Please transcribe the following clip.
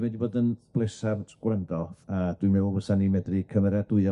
###wedi bod yn blesar gwrando a dwi'n me'wl fysa ni medru cymeradwyo...